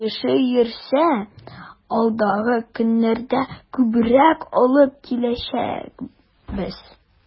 Кеше йөрсә, алдагы көннәрдә күбрәк алып киләчәкбез.